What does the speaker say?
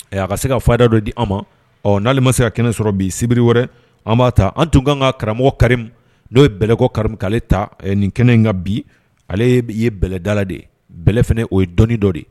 A y'a ka se ka fa da dɔ di aw ma ɔ n'ale ma se ka kɛnɛ sɔrɔ bi sebiri wɛrɛ an b'a taa an tun kan ka karamɔgɔ kari n'o ye bɛlɛko kari ale ta nin kɛnɛ in ka bi ale ye bɛlɛdala de bɛlɛ fana o ye dɔnniɔni dɔ de ye